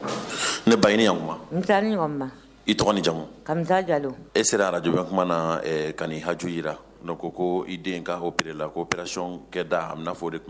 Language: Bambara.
Ne ba i ni ɲantuma! Unse a' ni ɲantuma! I tɔgɔ n'i jamu Kamisa jalo. E sera radio wankuma la ɛɛ kan'i haju jira, ko ko i den opéré la, ko opération kɛ da a b'i nafɔ o de